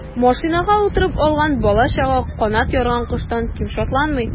Машинага утырып алган бала-чага канат ярган коштан ким шатланмый.